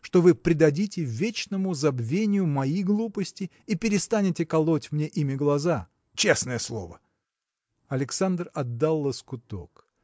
что вы предадите вечному забвению мои глупости и перестанете колоть мне ими глаза. – Честное слово. Александр отдал лоскуток.